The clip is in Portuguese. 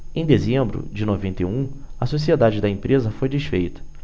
em dezembro de noventa e um a sociedade da empresa foi desfeita